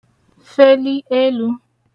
feli elū